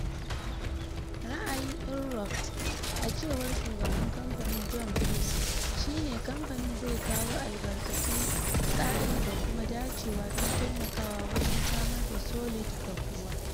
Ra’ayin Inrupt, a cewar Shugaban kamfanin John Bruce, shi ne kamfanin zai kawo albarkatun, tsari da kuma dacewa don taimakawa wajen samar da Solid ga kowa.